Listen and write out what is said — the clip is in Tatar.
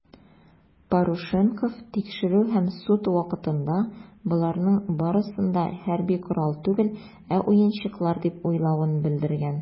Парушенков тикшерү һәм суд вакытында, боларның барысын да хәрби корал түгел, ә уенчыклар дип уйлавын белдергән.